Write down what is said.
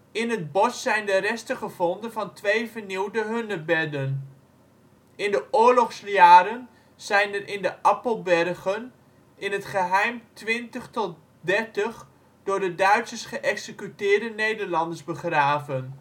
In het bos zijn de resten gevonden van twee vernielde hunebedden. In de oorlogsjaren zijn er in de Appèlbergen in het geheim twintig tot dertig door de Duitsers geëxecuteerde Nederlanders begraven